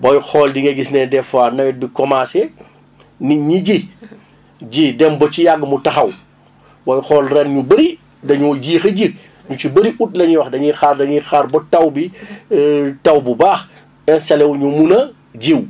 day xool di nga gis ne des fois nawet bi commencé nit ñi ji ji dem ba ci yàgg mu taxaw booy xoll ren ñu bëri dañoo yéex a ji ñu ci bëri août lañ wx dañuy xaar ba taw bi taw bu baax installé wu ñu mun a jiw